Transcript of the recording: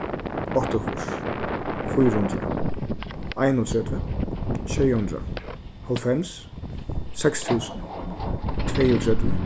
áttaogfýrs fýra hundrað einogtretivu sjey hundrað hálvfems seks túsund tveyogtretivu